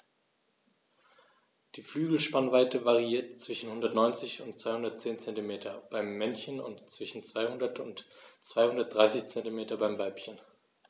Die Flügelspannweite variiert zwischen 190 und 210 cm beim Männchen und zwischen 200 und 230 cm beim Weibchen.